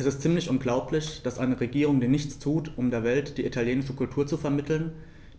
Es ist ziemlich unglaublich, dass eine Regierung, die nichts tut, um der Welt die italienische Kultur zu vermitteln,